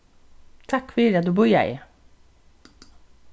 takk fyri at tú bíðaði